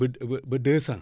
ba ba deux cent